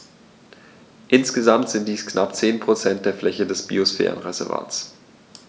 Insgesamt sind dies knapp 10 % der Fläche des Biosphärenreservates.